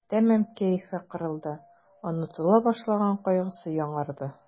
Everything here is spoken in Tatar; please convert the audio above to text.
Тәмам кәефе кырылды, онытыла башлаган кайгысы яңарды.